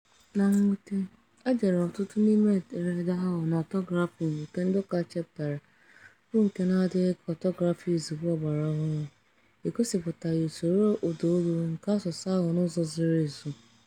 Na mwute, e dere ọtụtụ n’ime ederede ahụ n'ọtọgrafi nke ndị ụka chepụtara, bụ́ nke, n’adịghị ka ọtọgrafi izugbe ọgbaraọhụrụ, egosipụtaghị usoro ụdaolu nke asụsụ ahụ n’ụzọ zuru ezu.